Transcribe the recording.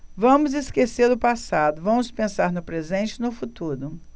vamos esquecer o passado vamos pensar no presente e no futuro